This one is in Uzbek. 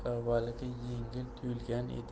yengil tuyulgan edi